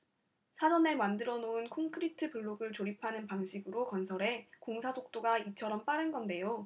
사전에 만들어 놓은 콘크리트 블록을 조립하는 방식으로 건설해 공사 속도가 이처럼 빠른 건데요